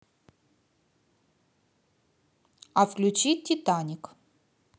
а включи титаник